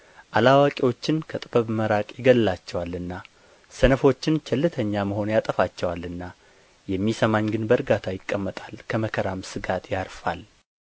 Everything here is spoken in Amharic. አላዋቂዎችን ከጥበብ መራቅ ይገድላቸዋልና ሰነፎችንም ቸልተኛ መሆን ያጠፋቸዋልና የሚሰማኝ ግን በእርጋታ ይቀመጣል ከመከራም ሥጋት ያርፋል